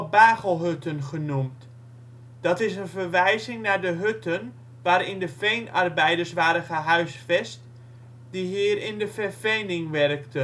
Bagelhutten genoemd. Dat is een verwijzing naar de hutten waarin de veenarbeiders waren gehuisvest die hier in de vervening werkten